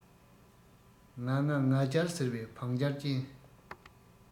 ང ང ང རྒྱལ ཟེར བའི བང རྒྱལ ཅན